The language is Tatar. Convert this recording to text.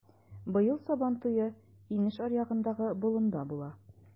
Быел Сабантуе инеш аръягындагы болында була.